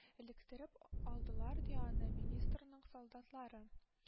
Электереп алдылар, ди, аны министрның солдатлары